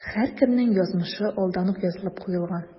Һәркемнең язмышы алдан ук язылып куелган.